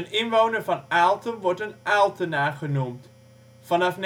inwoner van Aalten wordt een Aaltenaar genoemd. Vanaf